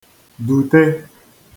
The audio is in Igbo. dùte